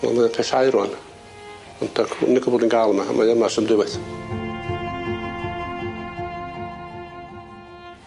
Wel mae o'n pellhau rŵan mae yma 'snam dwywaith.